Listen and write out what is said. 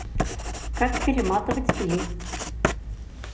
как перематывать фильмы